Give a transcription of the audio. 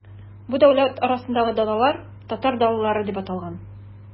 Бу дәүләт арасындагы далалар, татар далалары дип аталган.